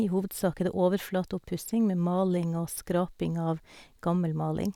I hovedsak er det overflateoppussing med maling og skraping av gammel maling.